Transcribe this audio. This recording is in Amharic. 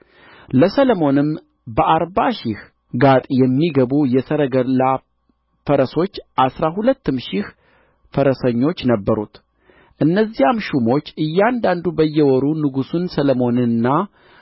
ለሰሎሞንም በአርባ ሺህ ጋጥ የሚገቡ የሰረገላ ፈረሶች አሥራ ሁለትም ሺህ ፈረሰኞች ነበሩት እነዚያም ሹሞች እያንዳንዱ በየወሩ ንጉሡን ሰሎሞንንና